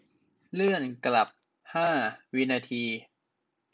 เลื่อนกลับห้าวินาที